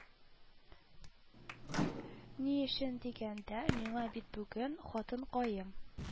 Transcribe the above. Ни өчен дигәндә, миңа бит бүген, хатынкаем